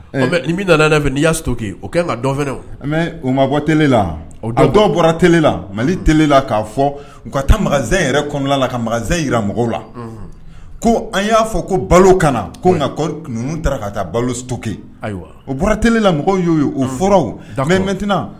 Ɔ mɛ i bɛ fɛ n'i'a toki o ka dɔnfɛ u mabɔ t la dɔw bɔra t la mali tla k'a fɔ ka taa ma yɛrɛ kɔnɔna la ka makan jirara mɔgɔw la ko an y'a fɔ ko balo kana na ko nka ninnu ta ka taa balo to ayiwa o bɔra telila mɔgɔw y' o fɔra danbe mɛntenina